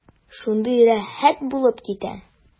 Шундый рәхәт булып китә.